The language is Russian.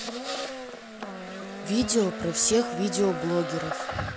видео про всех видеоблогеров